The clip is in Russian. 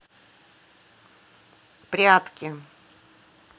прятки